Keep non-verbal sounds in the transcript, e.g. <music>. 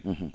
<hesitation> <hesitation>